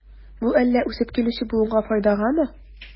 Бу әллә үсеп килүче буынга файдагамы?